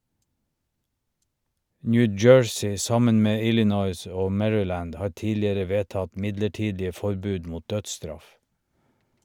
New Jersey, sammen med Illinois og Maryland, har tidligere vedtatt midlertidige forbud mot dødsstraff.